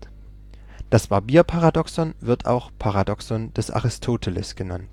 Barbier-Paradoxon wird auch Paradoxon des Aristoteles genannt